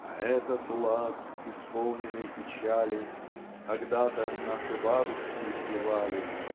"на этот лад, исполненный печали, когда-то наши бабушки певали".